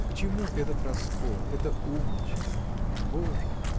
К чему этот раскол, это умничанье?. Боже!.